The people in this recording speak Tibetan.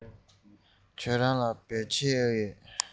ཁྱེད རང ལ བོད ཆས ཡོད པས